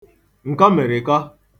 ǹkọmị̀rị̀kọ